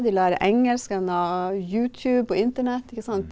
de lærer engelske gjennom Youtube, på internett, ikke sant.